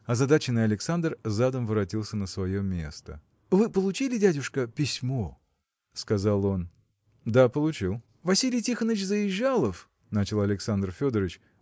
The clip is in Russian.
Озадаченный Александр задом воротился на свое место. – Вы получили, дядюшка, письмо?. – сказал он. – Да, получил. – Василий Тихоныч Заезжалов – начал Александр Федорыч